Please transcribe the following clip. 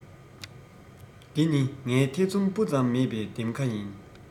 འདི ནི ངའི ཐེ ཚོམ སྤུ ཙམ མེད པའི འདེམས ཁ ཡིན